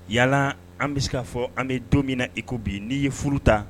Yala an bɛ k' fɔ an bɛ don min na iko bi n'i ye furu ta